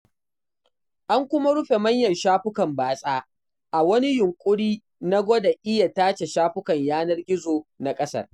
An kuma rufe manyan shafukan batsa, a wani yunƙuri na gwada iya tace shafukan yanar gizo na ƙasar.